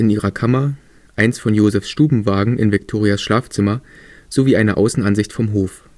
ihrer Kammer, eins von Josefs Stubenwagen in Viktorias Schlafzimmer sowie eine Außenansicht vom Hof